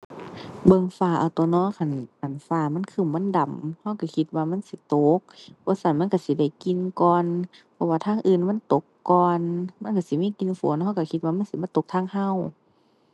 เบิ่งฟ้าเอาตั่วเนาะ คัน คันฟ้ามันครึ้มมันดำ เราเราคิดว่ามันสิตก บ่ซั้นมันเราสิได้กลิ่นก่อน เพราะว่าทางอื่นมันตกก่อน มันเราสิมีกลิ่นฝน เราเราคิดว่ามันสิมาตกทางเรา